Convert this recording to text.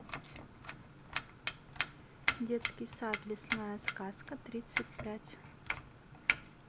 детский сад лесная сказка тридцать пять